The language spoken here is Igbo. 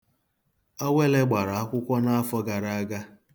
Awele gbara akwụkwọ n'afọ gara aga.